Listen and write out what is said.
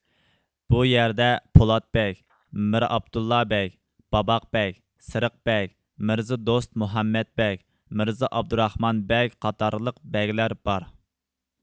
بۇ يەردە پولات بەگ مىرئابدۇللا بەگ باباق بەگ سېرىق بەگ مىرزادوست مۇھەممەت بەگ مىرزائابدۇراخمان بەگ قاتارلىق بەگلەر بار